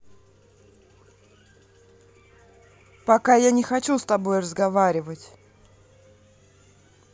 пока я не хочу с тобой разговаривать